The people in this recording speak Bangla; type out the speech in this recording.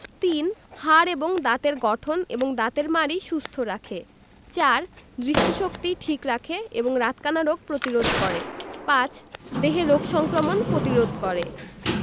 ৩. হাড় এবং দাঁতের গঠন এবং দাঁতের মাড়ি সুস্থ রাখে ৪. দৃষ্টিশক্তি ঠিক রাখে এবং রাতকানা রোগ প্রতিরোধ করে ৫. দেহে রোগ সংক্রমণ প্রতিরোধ করে